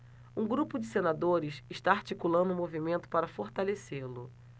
um grupo de senadores está articulando um movimento para fortalecê-lo